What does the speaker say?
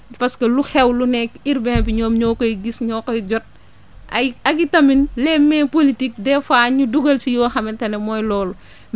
parce que lu xew lu nekk urbain bi ñoom ñoo koy gis ñoo koy jot ay ak itamit les mains politiques des fois ñu dugal si yoo xamante ne mooy loolu